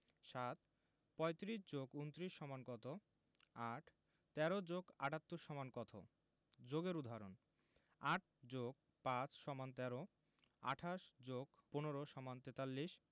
৭ ৩৫ + ২৯ = কত ৮ ১৩ + ৭৮ = কত যোগের উদাহরণঃ ৮ + ৫ = ১৩ ২৮ + ১৫ = ৪৩